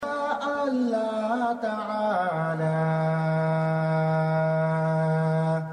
San ylii la taara